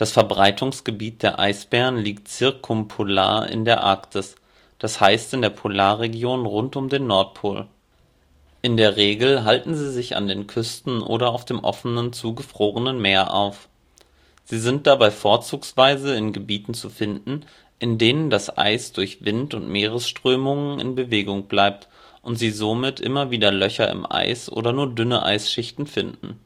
Verbreitungsgebiet der Eisbären liegt zirkumpolar in der Arktis, das heißt in der Polarregion rund um den Nordpol. In der Regel halten sie sich an den Küsten oder auf dem offenen, zugefrorenen Meer auf. Sie sind dabei vorzugsweise in Gebieten zu finden, in denen das Eis durch Wind und Meeresströmungen in Bewegung bleibt und sie somit immer wieder Löcher im Eis oder nur dünne Eisschichten finden